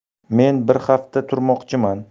men bir hafta turmoqchiman